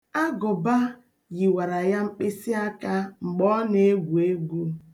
Agụba yiwara ya mkpịsịaka mgbe ọ na-egwu egwu.